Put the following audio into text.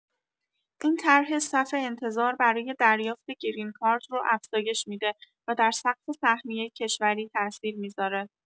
این طرح صف انتظار برای دریافت گرین کارت رو افزایش می‌ده و در سقف سهمیه کشوری تاثیر می‌ذاره.